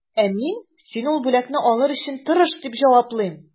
Ә мин, син ул бүләкне алыр өчен тырыш, дип җаваплыйм.